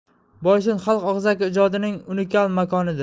boysun xalq og'zaki ijodining unikal makonidir